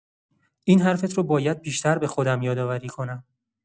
این حرفت رو باید بیشتر به خودم یادآوری کنم.